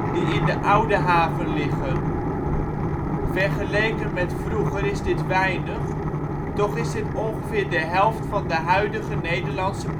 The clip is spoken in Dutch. die in de Oude Haven liggen. Vergeleken met vroeger is dit weinig, toch is dit ongeveer de helft van de huidige Nederlandse